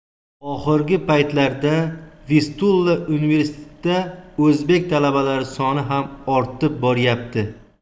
oxirgi paytlarda vistula universitetida o'zbek talabalari soni ham ortib boryapti